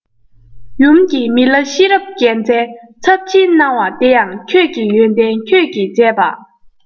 ཡུམ གྱིས མི ལ ཤེས རབ རྒྱལ མཚན ཚབས ཆེན གནང བ དེ ཡང ཁྱོད ཀྱི ཡོན ཏན ཁྱོད ཀྱི བྱས པ